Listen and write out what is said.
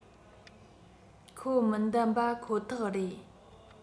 ཁོ མི བདམས པ ཁོ ཐག རེད